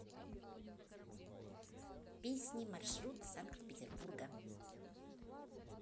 песни маршрут санкт петербурга